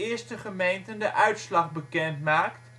eerste gemeenten de uitslag bekend maakt